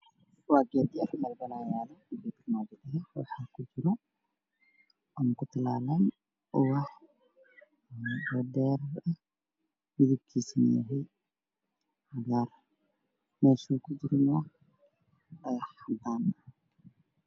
Waa weerar meel yaal waxaa ka baxaayo geed ubax oo cagaaran oo dheer ku yaalla waa caddaan darbiga ka dambeeya waa